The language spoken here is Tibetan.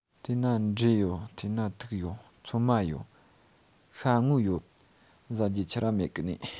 དེ ན འབྲས ཡོད འཐེན ན ཐུག ཡོད ཚོད མ ཡོད ཤ བརྔོས ཡོད ཟ རྒྱུ ཆི ར མེད གི ནིས